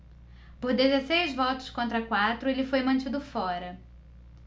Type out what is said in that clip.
por dezesseis votos contra quatro ele foi mantido fora